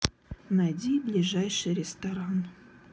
найди ближайший ресторан